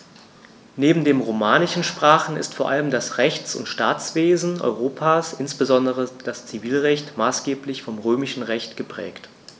Neben den romanischen Sprachen ist vor allem das Rechts- und Staatswesen Europas, insbesondere das Zivilrecht, maßgeblich vom Römischen Recht geprägt.